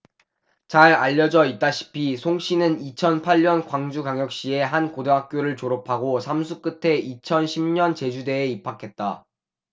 잘 알려져 있다시피 송씨는 이천 팔 년 광주광역시의 한 고등학교를 졸업하고 삼 수 끝에 이천 십 년 제주대에 입학했다